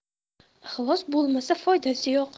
ixlos bo'lmasa foydasi yo'q